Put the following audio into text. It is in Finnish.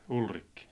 Ulrikki